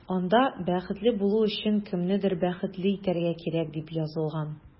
Анда “Бәхетле булу өчен кемнедер бәхетле итәргә кирәк”, дип язылган.